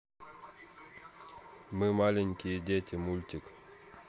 мы маленькие дети мультик